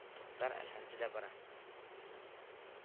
Туктар әфәнде дә бара